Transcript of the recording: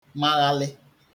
maghalị